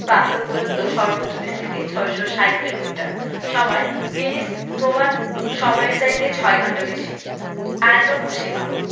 প্রান্ত পর্যন্ত সর্বোচ্চ বিস্তৃতি ৭৬০ কিলোমিটার সময়ঃ গ্রীনিচ প্রমাণ সমইয়ের চাইতে ৬ ঘন্টা বেশি আয়তন ও সীমাঃ